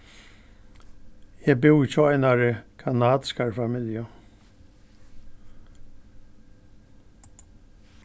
eg búði hjá einari kanadiskari familju